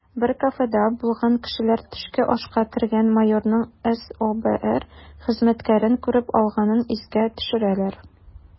Бер кафеда булган кешеләр төшке ашка кергән майорның СОБР хезмәткәрен күреп алганын искә төшерәләр: